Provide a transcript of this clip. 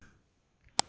ཆིག ལབ ལ བརྟེན ནས